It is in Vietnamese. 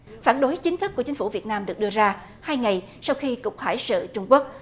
phản đối chính thức của chính phủ việt nam được đưa ra hai ngày sau khi cục hải sự trung quốc